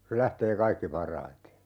se lähtee kaikkein parhaiten